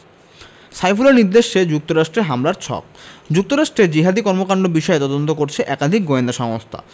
সাইফুলের নির্দেশে যুক্তরাষ্ট্রে হামলার ছক যুক্তরাষ্ট্রে জিহাদি কর্মকাণ্ড বিষয়ে তদন্ত করেছে একাধিক গোয়েন্দা সংস্থা